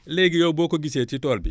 léegi yow boo ko gisee ci tool bi